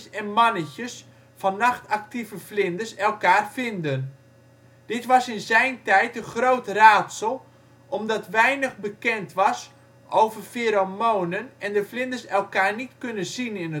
en mannetjes van nachtactieve vlinders elkaar vinden. Dit was in zijn tijd een groot raadsel omdat weinig bekend was over feromonen en de vlinders elkaar niet kunnen zien in